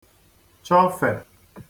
chọfè